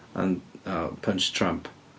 And i'll punch a tramp.